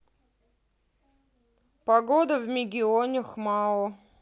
погода в мегионе хмао